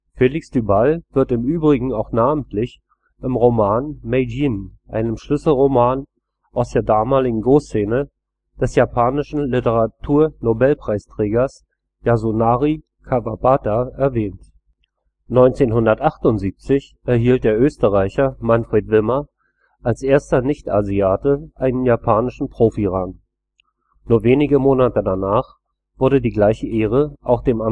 Felix Dueball wird im übrigen auch namentlich im Roman Meijin, einem Schlüsselroman aus der damaligen Go-Szene, des japanischen Literaturnobelpreisträgers Yasunari Kawabata erwähnt. 1978 erhielt der Österreicher Manfred Wimmer als erster Nicht-Asiate einen japanischen Profi-Rang, nur wenige Monate danach wurde die gleiche Ehre auch dem